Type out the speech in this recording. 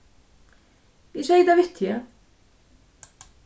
eg segði tað við teg